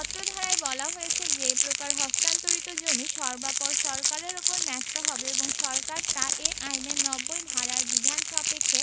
অত্র ধারায় বলা হয়েছে যে এ প্রকার হস্তান্তরিত জমি সর্বাপর সরকারের ওপর ন্যস্ত হবে এবং সরকার তা এ আইনের ৯০ ধারারবিধান সাপেক্ষে